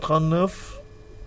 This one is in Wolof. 77 waaw